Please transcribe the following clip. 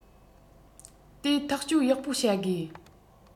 དེ ཐག གཅོད ཡག པོ བྱ དགོས